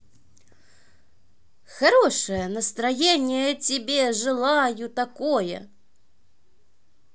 хорошая настроения тебе желаю такое